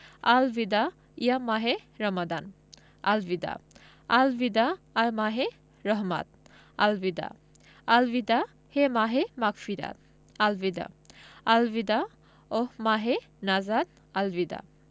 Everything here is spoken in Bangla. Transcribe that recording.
আল বিদা ইয়া মাহে রমাদান আল বিদা আল বিদা আয় মাহে রহমাত আল বিদা আল বিদা হে মাহে মাগফিরাত আল বিদা আল বিদা ওহঃ মাহে নাজাত আল বিদা